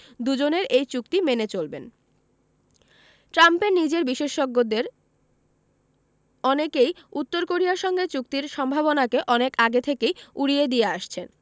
দুজনের এই চুক্তি মেনে চলবেন ট্রাম্পের নিজের বিশেষজ্ঞদের অনেকেই উত্তর কোরিয়ার সঙ্গে চুক্তির সম্ভাবনাকে অনেক আগে থেকেই উড়িয়ে দিয়ে আসছেন